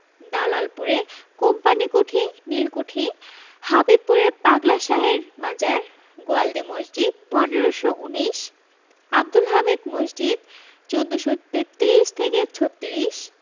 দালালপুরে company কুঠি নীল কুঠি হাবিবপুরে পাগলা শাহের মাজার গোয়ালদি মসজিদ ১৫১৯ আবদুল হামিদ মসজিদ১৪৩৩ থেকে ৩৬